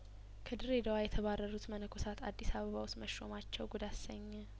ከድሬዳዋ የተባረሩት መነኮሳት አዲስ አበባ ውስጥ መሾማቸው ጉድ አሰኘ